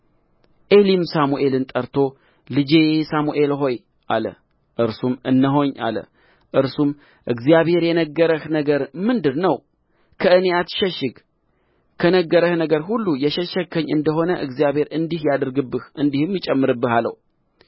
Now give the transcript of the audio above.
ዔሊም ሳሙኤልን ጠርቶ ልጄ ሳሙኤል ሆይ አለ እርሱም እነሆኝ አለ እርሱም እግዚአብሔር የነገረህ ነገር ምንድር ነው ከእኔ አትሸሽግ ከነገረህ ነገር ሁሉ የሸሸግኸኝ እንደ ሆነ እግዚአብሔር እንዲህ ያድርግብህ እንዲህም ይጨምርብህ አለው